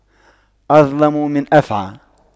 أظلم من أفعى